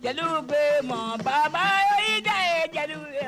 Jeliw bɛ mɔgɔ baba ye y ja ye jeliw ye